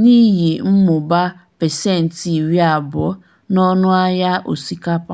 n'ihi mmụba 20% n'ọnụahịa osikapa.